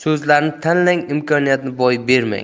so'zlarni tanlang imkoniyatni boy bermang